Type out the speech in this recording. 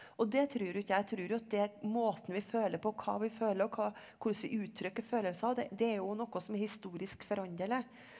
og det trur jo ikke jeg trur at det måten vi føler på hva vi føler og hva hvordan vi uttrykker følelser det er jo noe som er historisk foranderlig.